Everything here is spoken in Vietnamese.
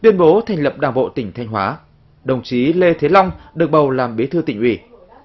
tuyên bố thành lập đảng bộ tỉnh thanh hóa đồng chí lê thế long được bầu làm bí thư tỉnh ủy